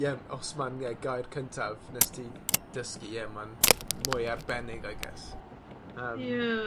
ie, os ma'n ie gair cyntaf wnest ti dysgu ie ma'n mwy arbennig I guess, yym. Ie.